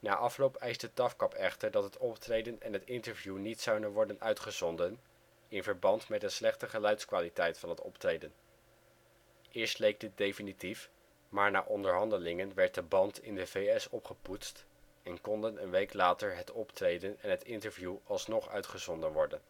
afloop eiste TAFKAP echter dat het optreden en het interview niet zouden worden uitgezonden, in verband met de slechte geluidskwaliteit van het optreden. Eerst leek dit definitief, maar na onderhandelingen werd de band in de V.S. opgepoetst en konden een week later het optreden en het interview alsnog uitgezonden worden